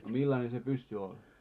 no millainen se pyssy oli